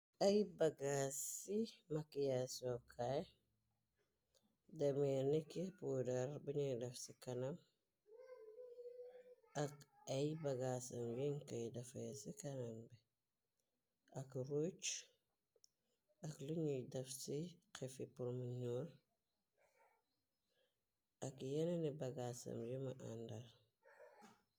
Ay bagaas ci makyaa sookaay demee nike podar biñuy daf ci kanam ak ay bagasam yuñ koy dafae ci kanam be ak roce ak luñuy daf ci xefi pormonor ak yenne bagaasam yuma àndal.